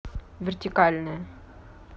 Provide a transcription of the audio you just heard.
вертикальное